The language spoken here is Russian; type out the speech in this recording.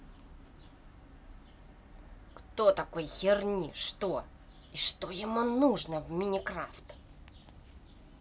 кто такой херни что и что ему нужно в minecraft